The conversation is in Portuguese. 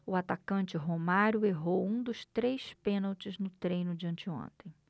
o atacante romário errou um dos três pênaltis no treino de anteontem